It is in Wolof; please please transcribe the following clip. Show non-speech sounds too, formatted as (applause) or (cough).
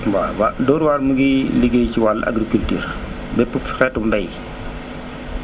waaw waaw Dóor waar mu ngi (noise) liggéey ci wàllu agriculture (noise) bépp xeetu mbay (noise)